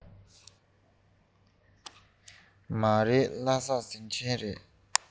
མ རེད ལྷ སའི ཟམ ཆེན རེད